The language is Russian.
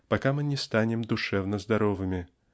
пока мы не станем душевно здоровыми